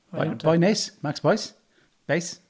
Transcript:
Boi... boi neis, Max Boyce. Beis.